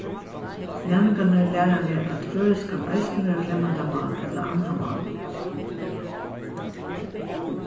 næmingarnir læra meg at føroyskt kann eisini vera fremmandamál ella annað mál